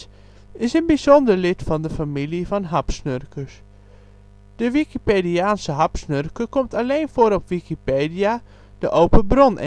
is een bijzonder lid van de familie van hapsnurkers. De Wikipediaanse hapsnurker komt alleen voor op Wikipedia, de open bron